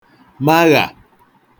maghà